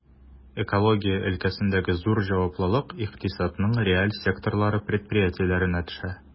Экология өлкәсендәге зур җаваплылык икътисадның реаль секторлары предприятиеләренә төшә.